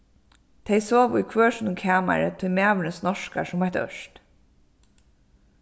tey sova í hvør sínum kamari tí maðurin snorkar sum eitt ørt